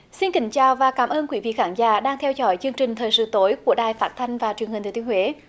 xin kính chào và cảm ơn quý vị khán giả đang theo dõi chương trình thời sự tối của đài phát thanh và truyền hình thừa thiên huế